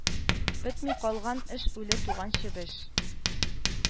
Бетми калган эш үле туган чебеш